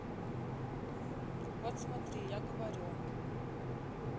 вот смотри я говорю